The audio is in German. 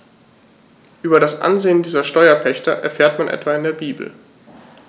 Über das Ansehen dieser Steuerpächter erfährt man etwa in der Bibel.